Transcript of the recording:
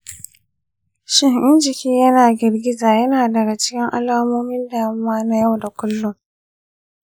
shin in jiki yana girgiza yana daga cikin alamomin damuwa na yau da kullum?